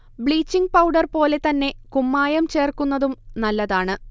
bleaching powder പോലെ തന്നെ കുമ്മായം ചേർക്കുന്നതും നല്ലതാണ്